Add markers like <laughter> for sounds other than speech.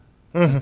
<hesitation> <hesitation>